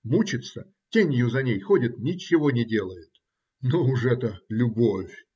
мучится, тенью за ней ходит, ничего не делает. Ну, уж эта любовь!